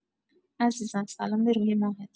عزیزم سلام به روی ماهت.